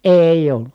ei ollut